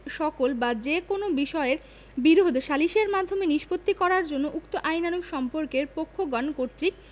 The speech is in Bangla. সকল বা যে কোন বিষয়ের বিরোধ সালিসের মাধ্যমে নিষ্পত্তি করার জন্য উক্ত আইনানুগ সম্পর্কের পক্ষগণ কর্তৃক